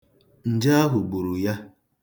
Nje ahụ gburu ya.